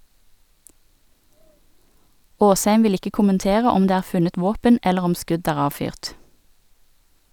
Aasheim vil ikke kommentere om det er funnet våpen eller om skudd er avfyrt.